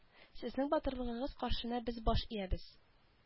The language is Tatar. Сезнең батырлыгыгыз каршында без баш иябез